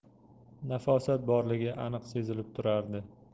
nafosat borligi aniq sezilib turardi